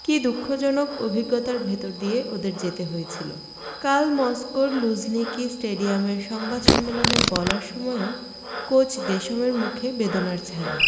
কী দুঃখজনক অভিজ্ঞতার ভেতর দিয়ে ওদের যেতে হয়েছিল কাল মস্কোর লুঝনিকি স্টেডিয়ামের সংবাদ সম্মেলনে বলার সময়ও কোচ দেশমের মুখে বেদনার ছায়া